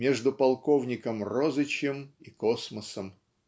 между полковником Розычем и космосом.